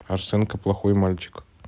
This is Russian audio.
арсенка плохой мальчик